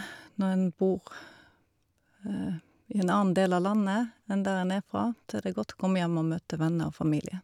Når en bor i en annen del av landet enn der en er fra, så er det godt å komme hjem og møte venner og familie.